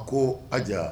A ko a Aja